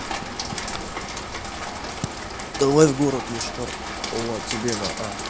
давай в города йошкар ола тебе на а